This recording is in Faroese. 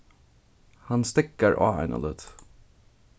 hann steðgar á eina løtu